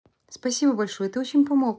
спасибо большое ты очень помог